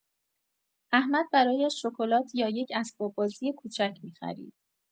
احمد برایش شکلات یا یک اسباب‌بازی کوچک می‌خرید.